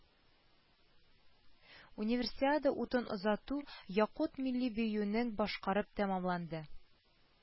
Универсиада утын озату якут милли биюен башкарып тәмамланды